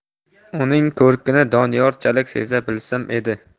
uning ko'rkini doniyorchalik seza bilsam edi